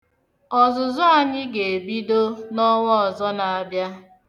Ọzụzụ anyị ga-ebido n'ọnwa ọzọ na-abịa.